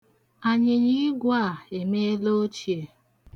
Anyịnyiigwe a emeela ochie.